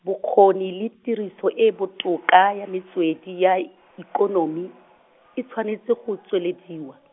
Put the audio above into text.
bokgoni le tiriso e e botoka ya metswedi ya, ikonomi, e tshwanetse go tswelediwa.